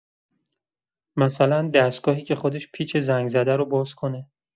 مثلا دستگاهی که خودش پیچ زنگ‌زده رو باز کنه.